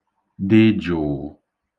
dị̄ jụ̀ụ̀